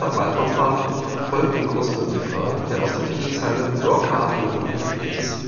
Waldhorn-Part folgt dem kurzen Refrain, der aus der Titelzeile Rockhard in a Funky Place